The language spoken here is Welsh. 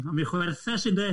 A mae'n chwerthes i'nde?